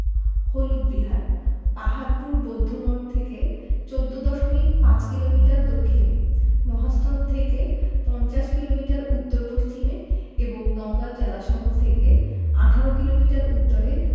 হলুদ বিহার পাহাড়পুর বৌদ্ধমঠ থেকে ১৪দশমিক ৫ কিলোমিটার দক্ষিণে মহাস্থান থেকে পঞ্চাশ কিলোমিটার উত্তর পশ্চিমে এবং নওগাঁ জেলাশহর থেকে ১৮ কিলোমিটার উত্তরে